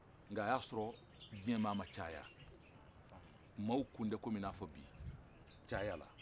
nka a y'a sɔrɔ jiɲɛ maa ma caya maaw tun tɛ comi i n'a fɔ bi caya la